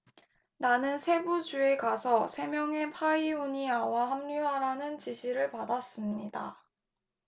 나는 세부 주에 가서 세 명의 파이오니아와 합류하라는 지시를 받았습니다